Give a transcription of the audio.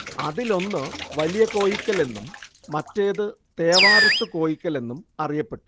അതിലൊന്ന് വലിയ കോയിക്കലെന്നും മറ്റേതു തേവാരത്തു കോയിക്കലെന്നും അറിയപ്പെട്ടു